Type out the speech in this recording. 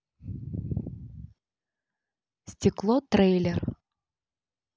стекло трейлер